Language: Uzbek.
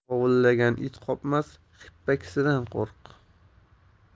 vovvulagan it qopmas hippakisidan qo'rq